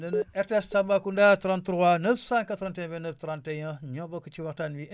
leen ne RTS Tambacounda 33 981 29 31 ñëw bokk ci waxtaan wi